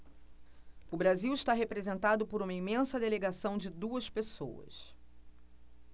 o brasil está representado por uma imensa delegação de duas pessoas